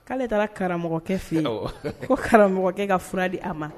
K'ale taara karamɔgɔkɛ fɛ ko karamɔgɔkɛ ka fura di a ma